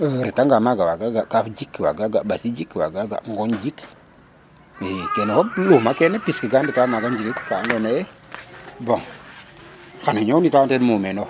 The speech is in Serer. o reta nga maga waga ga kaaf jik waga ga ɓasi jik waga ga ŋooñ jik i kene fop loumea kene pis ke nga ndeta maga njikik ka ando naye bon xano ñoow nita mumeen of